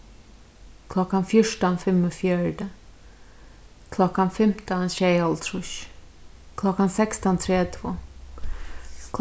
klokkan fjúrtan fimmogfjøruti klokkan fimtan sjeyoghálvtrýss klokkan sekstan tretivu